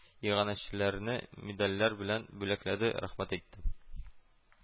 Иганәчеләрне медальләр белән бүләкләде, рәхмәт әйтте